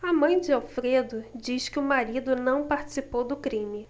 a mãe de alfredo diz que o marido não participou do crime